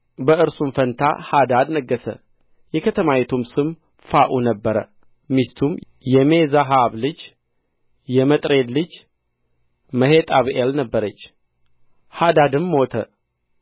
በእርሱም ፋንታ ሃዳድ ነገሠ የከተማይቱም ስም ፋዑ ነበረ ሚስቱም የሜዛሃብ ልጅ የመጥሬድ ልጅ መሄጣብኤል ነበረች ሃዳድም ሞተ